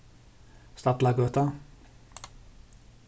stallagøta